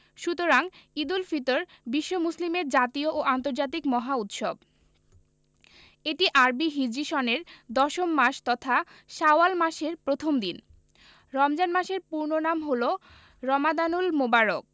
সুতরাং ঈদুল ফিতর বিশ্ব মুসলিমের জাতীয় ও আন্তর্জাতিক মহা উৎসব এটি আরবি হিজরি সনের দশম মাস তথা শাওয়াল মাসের প্রথম দিন রমজান মাসের পূর্ণ নাম হলো রমাদানুল মোবারক